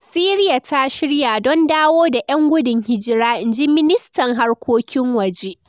Siriya ta “shirya” don dawo da 'yan gudun hijira, in ji ministan harkokin waje